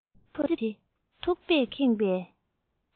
ཙི ཙི ཕོ དེ ཐུག པས ཁེངས པའི